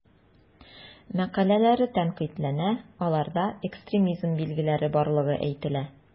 Мәкаләләре тәнкыйтьләнә, аларда экстремизм билгеләре барлыгы әйтелә.